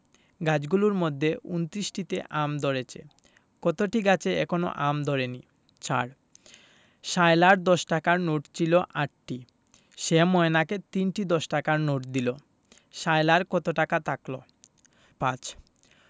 গাছগুলোর মধ্যে ২৯টিতে আম ধরেছে কতটি গাছে এখনও আম ধরেনি ৪ সায়লার দশ টাকার নোট ছিল ৮টি সে ময়নাকে ৩টি দশ টাকার নোট দিল সায়লার কত টাকা থাকল ৫